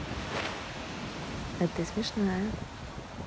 а ты смешная